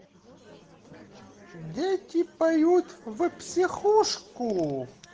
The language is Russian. дети поют в психушку